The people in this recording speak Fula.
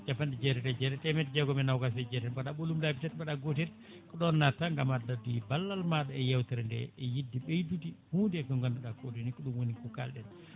capanɗe jeetati e jeetati temedde jeegom e nogas e jeetati mbaɗa ɓolum laabi tati mbaɗa gotel ko ɗon natta gam addude ballal maɗa e yewtere nde e yidde ɓeydude hunde eko ganduɗa koɗoni ko ɗum woni ko kalɗen